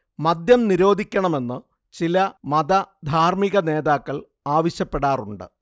മദ്യം നിരോധിക്കണമെന്ന് ചില മത ധാർമ്മികനേതാക്കൾ ആവശ്യപ്പെടാറുണ്ട്